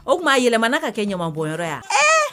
O tuma yɛlɛmana ka kɛ ɲama bɔyɔrɔ yan